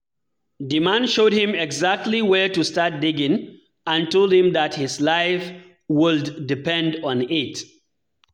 The man showed him exactly where to start digging and told him that his life would depend on it.